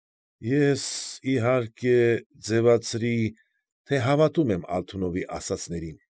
Ես, իհարկե, ձևացրի, թե հավատում եմ Ալթունովի ասածներին։